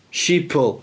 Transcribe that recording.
Sheeple.